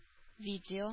Видео